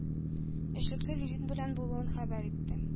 Эшлекле визит белән булуын хәбәр итте.